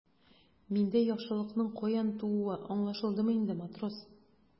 Миндә яхшылыкның каян тууы аңлашылдымы инде, матрос?